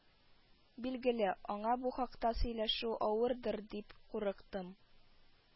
Билгеле, аңа бу хакта сөйләшү авырдыр дип курыктым